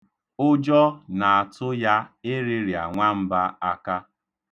Ụjọ na-atụ ya ịrịrịa nwamba aka.